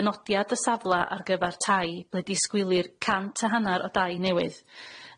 dynodiad y safla ar gyfar tai ble disgwylir cant a hannar o dai newydd.